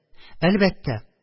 Әлбәттә